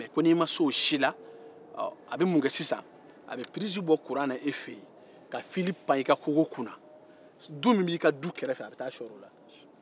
n'i ma se o si la a bɛ pirizi bɔ e ka so la k'a pan kogo kun na ka t'a don du min b'i ka so kɛrɛ fɛ la